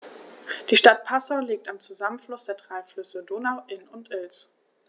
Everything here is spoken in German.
Die Stadt Passau liegt am Zusammenfluss der drei Flüsse Donau, Inn und Ilz.